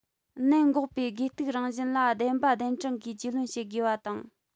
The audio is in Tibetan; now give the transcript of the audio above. ནད འགོག པའི དགོས གཏུག རང བཞིན ལ བདེན པ བདེན དྲང གིས རྒྱུས ལོན བྱེད དགོས པ དང